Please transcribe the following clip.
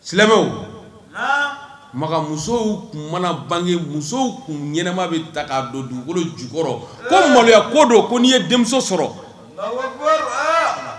Silamɛw, naamu, Makan musow tun mana bange musow tun ɲɛnama bɛ ta k'a don dugukolo jukɔrɔ ko maloyako don ko n'i ye denmuso sɔrɔ, alahu akibaru